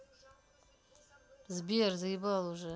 сбер заебал уже